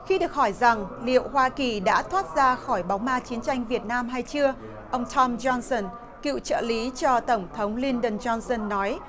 khi được hỏi rằng liệu hoa kỳ đã thoát ra khỏi bóng ma chiến tranh việt nam hay chưa ông tom doăn sừn cựu trợ lý cho tổng thống li đôn doăn sừn nói